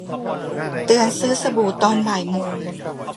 เตือนซื้อสบู่ตอนบ่ายโมง